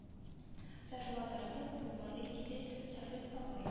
Зарланырлык булмады диде шәфыйкъ бабай